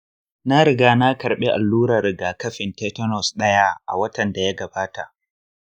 na riga na karbi allurar rigakafin tetanus daya a watan da ya gabata.